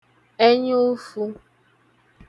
ẹnya ụfụ